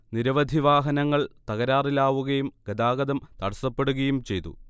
നിരവധി വാഹനങ്ങൾ തകരാറിലാവുകയും ഗതാഗതം തടസപ്പെടുകയും ചെയ്തു